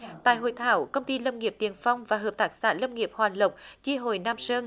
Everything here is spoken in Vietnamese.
tại hội thảo công ty lâm nghiệp tiền phong và hợp tác xã lâm nghiệp hoạt lộc chi hội nam sơn